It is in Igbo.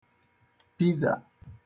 pizà